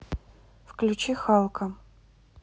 включи халка